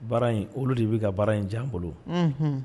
Baara in olu de bɛ ka baara in jan bolo